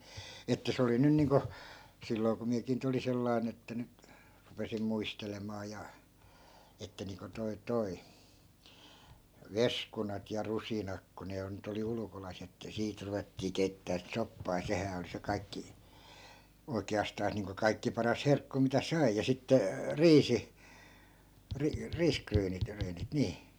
että se oli nyt niin kuin silloin kun minäkin nyt olin sellainen että nyt rupesin muistelemaan ja että niin kuin tuo tuo veskunat ja rusinat kun ne on nyt oli ulkolaisia että siitä ruvettiin keittämään sitä soppaa ja sehän oli se kaikki oikeastaan niin kuin kaikkein paras herkku mitä sai ja sitten riisi - riisiryynit ryynit niin